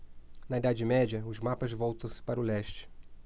na idade média os mapas voltam-se para o leste